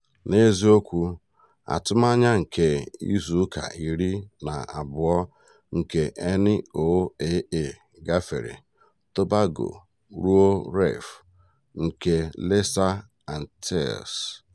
N'eziokwu, atụmanya nke izuụka iri na abụọ nke NOAA gafere Tobago ruo Reef nke Lesser Antilles.